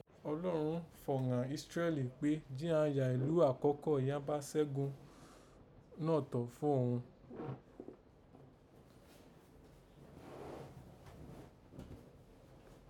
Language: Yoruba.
Ọlọ́run fọ̀ ghàn Ísírẹ́lì kpé jí àán yà ìlú àkọ́kọ́ yìí àán bá sẹ́gun nọ́tọ̀ fún òun.